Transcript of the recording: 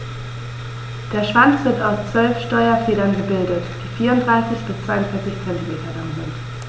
Der Schwanz wird aus 12 Steuerfedern gebildet, die 34 bis 42 cm lang sind.